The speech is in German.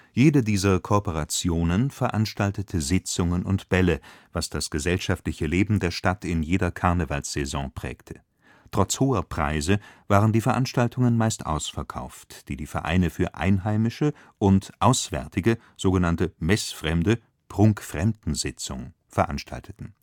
Jede dieser Korporationen veranstaltete Sitzungen und Bälle, was das gesellschaftliche Leben der Stadt in jeder Karnevalssaison prägte. Trotz hoher Preise waren die Veranstaltungen meist ausverkauft, die die Vereine für „ Einheimische “und Auswärtige, sogenannte „ Messfremde “(„ Prunkfremdensitzung “) veranstalteten